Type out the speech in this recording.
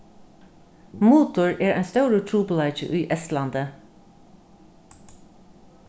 mutur er ein stórur trupulleiki í estlandi